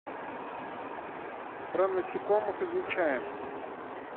про насекомых изучаем